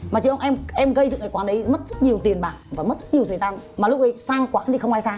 mà chị không em em gây dựng cái quán ấy mất rất nhiều tiền bạc và mất rất nhiều thời gian mà lúc ý sang quán thì không ai sang